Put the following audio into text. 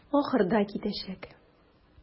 Ахырда китәчәк.